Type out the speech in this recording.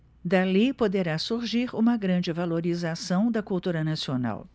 dali poderá surgir uma grande valorização da cultura nacional